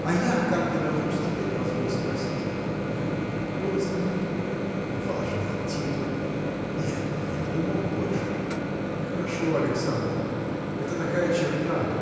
а я как довожусь тебе, позволь спросить? – Вы. родственник. – Важный титул! Нет, я думал – больше. Нехорошо, Александр это такая черта